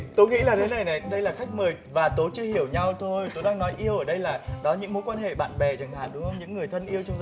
tố nghĩ là thế này này đây là khách mời và tố chưa hiểu nhau thôi tố đang nói yêu ở đây là đó những mối quan hệ bạn bè chẳng hạn những người thân yêu trong gia